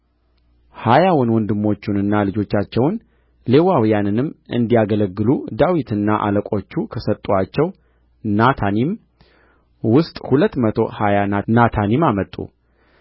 ሀያውን ወንድሞቹንና ልጆቻቸውን ሌዋውያንንም እንዲያገለግሉ ዳዊትና አለቆቹ ከሰጡአቸው ናታኒም ውስጥ ሁለት መቶ ሀያ ናታኒም አመጡ